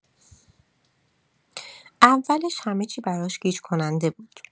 اولش همه‌چی براش گیج‌کننده بود.